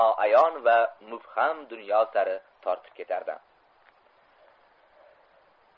noayon va mubham dunyo sari tortib ketardi